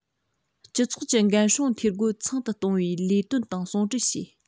སྤྱི ཚོགས ཀྱི འགན སྲུང འཐུས སྒོ ཚང དུ གཏོང བའི ལས དོན དང ཟུང འབྲེལ བྱས